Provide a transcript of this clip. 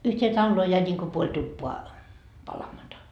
yhteen taloon jäi niin kuin puoli tupaa palamatta